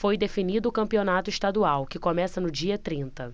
foi definido o campeonato estadual que começa no dia trinta